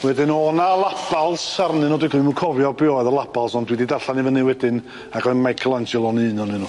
Wedyn o' na labals arnyn nw dwi ddim yn cofio be' oedd y labals ond dwi 'di darllan i fyny wedyn ac oedd Michelangelo'n un onyn nw.